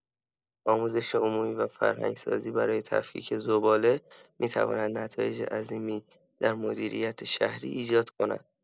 آموزش عمومی و فرهنگ‌سازی برای تفکیک زباله می‌تواند نتایج عظیمی در مدیریت شهری ایجاد کند.